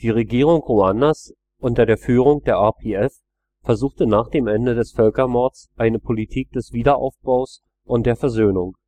Regierung Ruandas unter der Führung der RPF versuchte nach dem Ende des Völkermords eine Politik des Wiederaufbaus und der Versöhnung